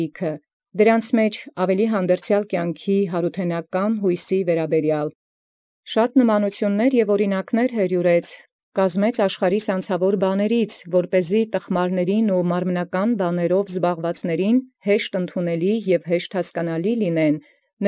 Յորս բազում նմանութիւնս և աւրինակս ի յանցաւորացս աստի, առաւելագոյն վասն յարութենական յուսոյն առ ի հանդերձեալսն, յերիւրեալ կազմեալ, զի հեշտընկալք և դիւրահասոյցք տխմարագունիցն և մարմնական իրաւք զբաղելոցն լինիցին,